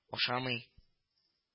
— ашамый